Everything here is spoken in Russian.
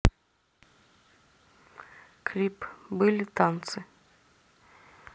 клип были танцы